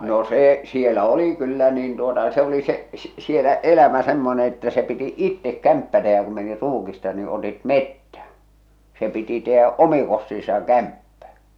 no se siellä oli kyllä niin tuota se oli se - siellä elämä semmoinen että se piti itse kämppä tehdä kun meni ruukista niin otit metsän se piti tehdä omin kostinsa kämppä